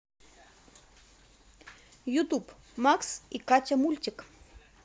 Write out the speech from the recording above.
ютуб макс и катя мультик